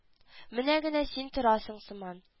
Менә генә син торасың сыман